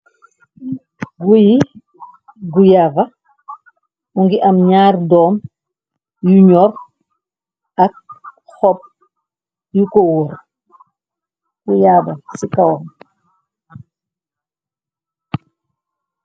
Guyi guyava mu ngi am ñaar doom yu ñoor ak xopp yu ko wóor guyaaba ci kawom.